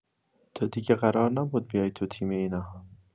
تو دیگه قرار نبود بیای تو تیم اینا.